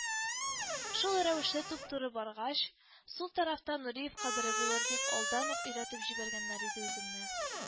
Шул рәвешле туп-туры баргач, сул тарафта Нуриев кабере булыр, дип алдан ук өйрәтеп җибәргәннәр иде үземне